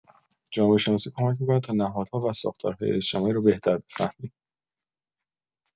جامعه‌شناسی کمک می‌کند تا نهادها و ساختارهای اجتماعی را بهتر بفهمیم.